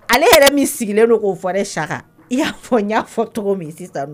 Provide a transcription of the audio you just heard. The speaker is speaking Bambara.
Ale yɛrɛ min sigilen don k'o fɔɛ saka i y'a fɔ n y'a fɔ cogo min sisan